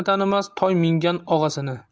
tanimas toy mingan og'asini